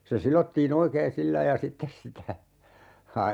se sidottiin oikein sillä lailla ja sitten sitä -